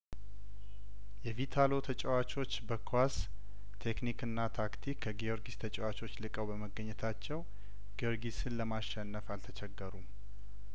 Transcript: የቪታሎ ተጫዋቾች በኳስ ቴክኒክና ታክቲክ ከጊዮርጊስ ተጫዋቾች ልቀው በመገኘታቸው ጊዮርጊስን ለማሸነፍ አልተቸገሩም